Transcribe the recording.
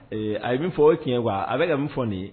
Ee a' min fɔ o tiɲɛ wa a bɛka ka min fɔ nin ye